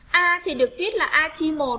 thì được tiết là natri